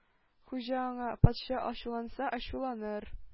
Хуҗа аңа: Патша ачуланса ачуланыр,